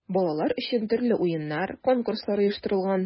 Балалар өчен төрле уеннар, конкурслар оештырылган.